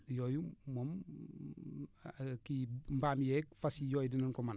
yooyu moom kii mbaam yeegfas yi yooyu dinañ ko mën